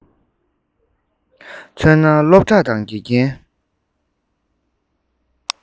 མཚོན ན སློབ གྲྭ དང དགེ རྒན